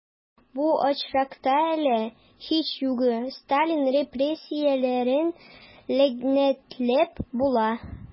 Бу очракта әле, һич югы, Сталин репрессияләрен ләгънәтләп була...